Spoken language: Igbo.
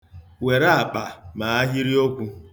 Were akpa mee ahịrịokwu.